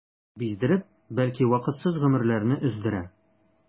Биздереп, бәлки вакытсыз гомерләрне өздерә.